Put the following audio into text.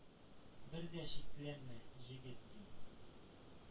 — бер дә шикләнмә, җегет, син;